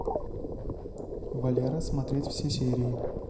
валера смотреть все серии